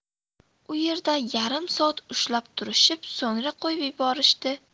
u yerda yarim soat ushlab turishib so'ngra qo'yib yuborishdi